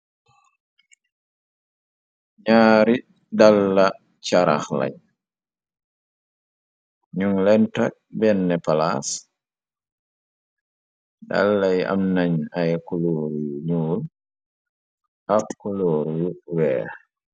ñaari dal la carax lañ ñun lentak benn palaas dallay am nañ ay koloor yu ñuul ab koloor yu weer